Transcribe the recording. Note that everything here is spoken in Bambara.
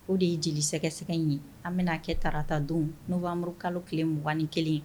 O de ye jeli sɛgɛsɛgɛ in ye an bɛna kɛ tarata don n' wanmuruuru kalo kelenuganin kelen